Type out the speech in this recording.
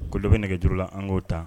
Kɔlɔ bɛ nɛgɛgejuru la an k'o ta